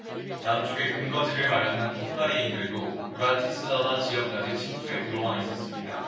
남쪽에 근거지를 마련한 헝가리인들도 브라티슬라바 지역까지 침투해 들어와 있었습니다